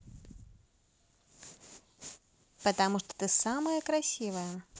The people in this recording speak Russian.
потому что ты самая красивая